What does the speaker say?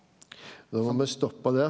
då må me stoppa der.